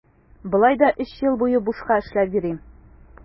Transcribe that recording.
Болай да өч ел буе бушка эшләп йөрим.